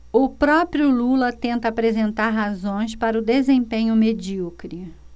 o próprio lula tenta apresentar razões para o desempenho medíocre